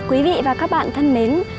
quý vị và các bạn thân mến